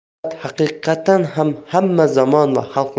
muhabbat haqiqatan ham hamma zamon va